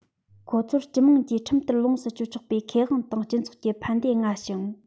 ཁོ ཚོར སྤྱི དམངས ཀྱིས ཁྲིམས ལྟར ལོངས སུ སྤྱོད ཆོག པའི ཁེ དབང དང སྤྱི ཚོགས ཀྱི ཕན བདེ མངའ ཞིང